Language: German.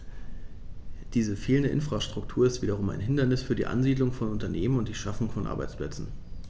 Diese fehlende Infrastruktur ist wiederum ein Hindernis für die Ansiedlung von Unternehmen und die Schaffung von Arbeitsplätzen.